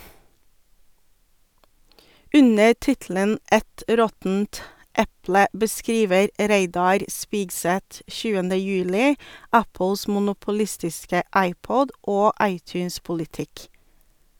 Under tittelen «Et råttent eple» beskriver Reidar Spigseth 7. juli Apples monopolistiske iPod- og iTunes-politikk.